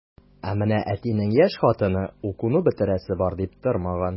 Ә менә әтинең яшь хатыны укуны бетерәсе бар дип тормаган.